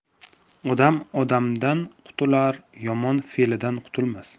odam odamdan qutular yomon fe'lidan qutulmas